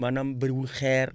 maanaam bëriwul xeer